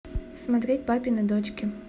смотреть папины дочки